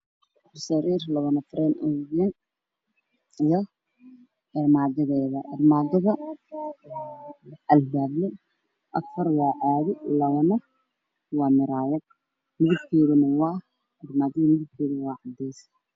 Sariir labo nafareed oo weyn iyo armaajadeeda armaajada albaable afar waa caadi labana waa miraale midabkeeduna waa cadees